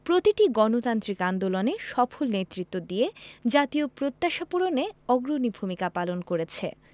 প্রতিটি গণতান্ত্রিক আন্দোলনে সফল নেতৃত্ব দিয়ে জাতীয় প্রত্যাশা পূরণে অগ্রণী ভূমিকা পালন করেছে